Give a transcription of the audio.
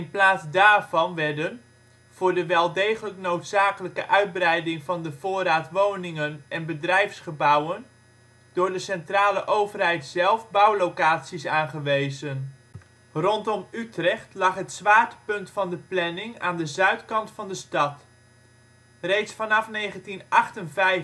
plaats daarvan werden, voor de wel degelijk noodzakelijke uitbreiding van de voorraad woningen en bedrijfsgebouwen door de centrale overheid zelf bouwlocaties aangewezen. Rondom Utrecht lag het zwaartepunt van de planning aan de zuidkant van de stad. Reeds vanaf 1958 bestond bij het